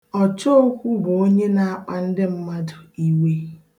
Ọchookwu bụ onye na-akpa ndị mmadụ iwe.